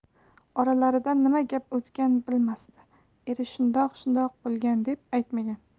oralaridan nima gap o'tgan bilmasdi eri shundoq shundoq bo'lgan deb aytmagan